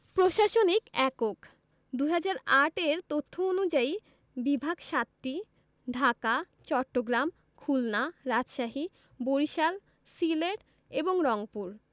প্রশাসনিক এককঃ ২০০৮ এর তথ্য অনুযায়ী বিভাগ ৭টি ঢাকা চট্টগ্রাম খুলনা রাজশাহী বরিশাল সিলেট এবং রংপুর